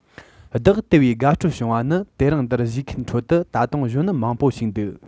བདག དེ བས དགའ སྤྲོ བྱུང བ ནི དེ རིང འདིར བཞུགས མཁན ཁྲོད དུ ད དུང གཞོན ནུ མང པོ ཞིག འདུག